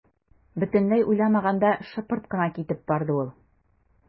Бөтенләй уйламаганда шыпырт кына китеп барды ул.